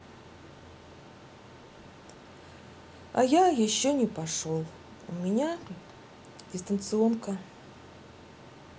а я еще не пошел у меня дистанционка